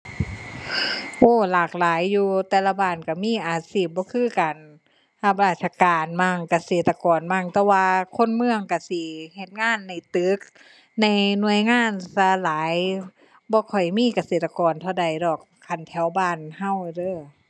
โอ้ หลากหลายอยู่ แต่ละบ้านก็มีอาชีพบ่คือกัน รับราชการมั่ง เกษตรกรมั่ง แต่ว่าคนเมืองก็สิเฮ็ดงานในตึก ในหน่วยงานซะหลาย บ่ค่อยมีเกษตรกรเท่าใดดอก คันแถวบ้านก็เด้อ